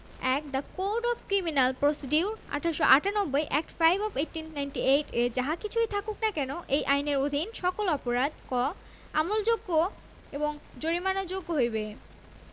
১ the code of criminal procedure ১৮৯৮ act five of ১৮৯৮ এ যাহা কিছুই থাকুক না কেন এই আইনের অধীন সকল অপরাধঃ ক আমলযোগ্য এবং জরিমানাযোগ্য হইবে